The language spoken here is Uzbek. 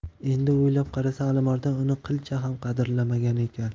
endi o'ylab qarasa alimardon uni qilcha ham qadrlamagan ekan